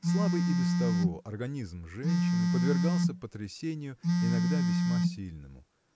Слабый и без того организм женщины подвергался потрясению иногда весьма сильному.